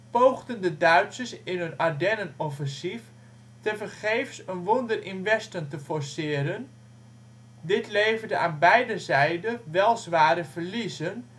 poogden de Duitsers in hun Ardennenoffensief tevergeefs een ' Wunder im Westen ' te forceren; dit leverde aan beide zijden wel zware verliezen